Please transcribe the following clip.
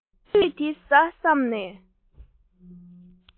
ངས སྣ ལུད དེ བཟའ བསམས ནས